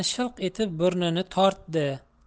shilq etib burnini tortadi